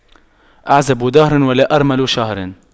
أعزب دهر ولا أرمل شهر